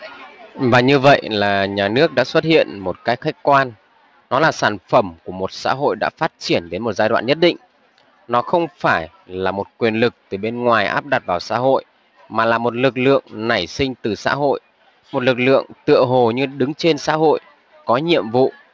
và như vậy là nhà nước đã xuất hiện một cách khách quan nó là sản phẩm của một xã hội đã phát triển đến một giai đoạn nhất định nó không phải là một quyền lực từ bên ngoài áp đặt và xã hội mà là một lực lượng nảy sinh từ xã hội một lực lượng tựa hồ như đứng trên xã hội có nhiệm vụ